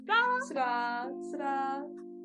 ...tara. Tara, tara.